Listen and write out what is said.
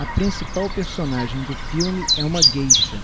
a principal personagem do filme é uma gueixa